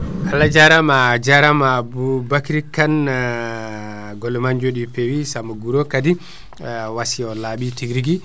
Allah jaarama ajaaram Aboubacry Kane golle ma jooɗi peewi Samba Guro kadi wassiy o laaɓi tiguirigui